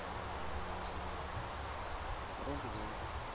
рок зе